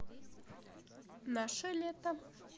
наше лето